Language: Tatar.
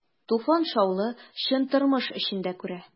Туфан шаулы, чын тормыш эчендә күрә.